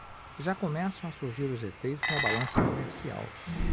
já começam a surgir os efeitos na balança comercial